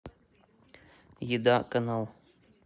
еда канал